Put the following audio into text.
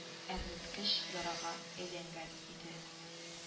Әрнеткеч ярага әйләнгән иде